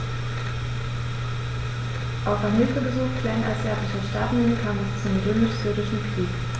Auf ein Hilfegesuch kleinasiatischer Staaten hin kam es zum Römisch-Syrischen Krieg.